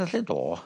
...felly? Do.